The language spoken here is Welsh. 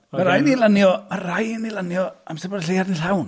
Mae rhaid ni lanio... mae rhaid ni lanio amser bo'r Lleuad yn llawn.